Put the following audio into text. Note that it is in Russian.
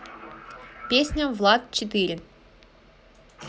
песня влад четыре